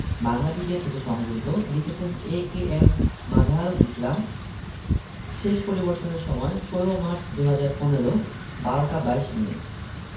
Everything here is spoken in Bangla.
বাংলাপিডিয়া থেকে সংগৃহীত লিখেছেনঃ এ.কে.এম মাযহারুল ইসলাম শেষ পরিবর্তনের সময় ১৬ মার্চ ২০১৫ ১২টা ২২ মিনিট